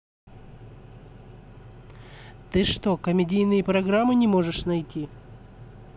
ты что комедийные программы не можешь найти